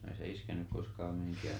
no ei se iskenyt koskaan mihinkään